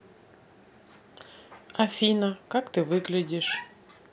афина как ты выглядишь